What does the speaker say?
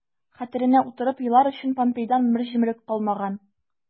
Хәтеренә утырып елар өчен помпейдан бер җимерек калмаган...